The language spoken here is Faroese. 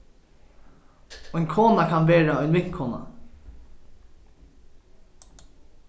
ein kona kann vera ein vinkona